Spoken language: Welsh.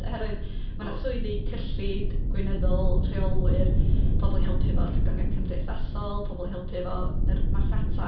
Oherwydd, mae 'na swyddi cyllid, gweinyddol, rheolwyr, pobl i helpu efo'r cyfryngau cymdeithasol, pobl i helpu efo yr marchnata.